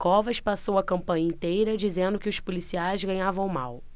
covas passou a campanha inteira dizendo que os policiais ganhavam mal